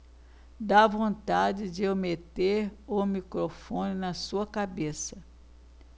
dá vontade de eu meter o microfone na sua cabeça